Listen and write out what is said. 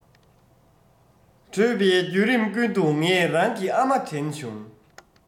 བྲོས པའི བརྒྱུད རིམ ཀུན ཏུ ངས རང གི ཨ མ དྲན བྱུང